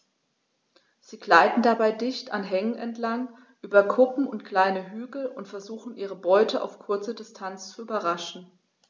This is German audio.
Sie gleiten dabei dicht an Hängen entlang, über Kuppen und kleine Hügel und versuchen ihre Beute auf kurze Distanz zu überraschen.